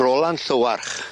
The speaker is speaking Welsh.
Roland Llywarch.